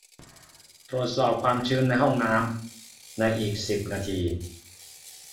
ตรวจสอบความชื้นในห้องน้ำในอีกสิบนาที